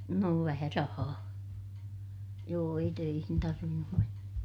no vähän rahaa joo ei töihin tarvinnut mennä